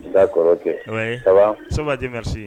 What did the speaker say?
Y'a kɔrɔ kɛ kamalen ye baba somaji ma se